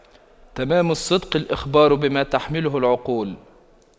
تمام الصدق الإخبار بما تحمله العقول